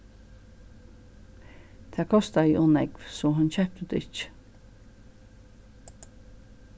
tað kostaði ov nógv so hon keypti tað ikki